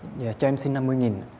dạ cho em xin năm mươi nghìn ạ